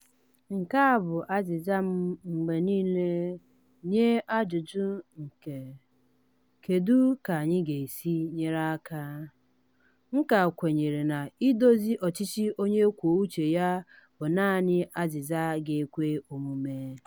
Nke a bụ azịza m mgbe niile nye ajụjụ nke "kedu ka anyị ga-esi nyere aka?" M ka kwenyere na [idozi ọchịchị onye kwuo uche ya] bụ naanị azịza ga-ekwe omume.